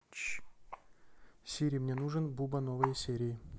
сири мне нужен буба новые серии